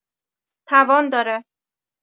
توان داره